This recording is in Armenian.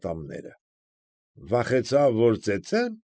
Ատամները։֊Վախեցավ, որ ծեծեմ, հը՞։ ֊